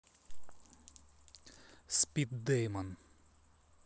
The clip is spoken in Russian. спит дэймон